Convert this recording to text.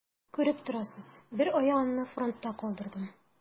Күреп торасыз: бер аягымны фронтта калдырдым.